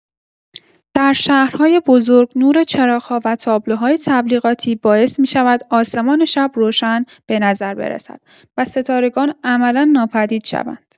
در شهرهای بزرگ، نور چراغ‌ها و تابلوهای تبلیغاتی باعث می‌شود آسمان شب روشن به نظر برسد و ستارگان عملا ناپدید شوند.